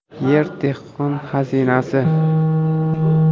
yer dehqon xazinasi